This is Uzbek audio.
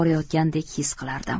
borayotgandek his qilardim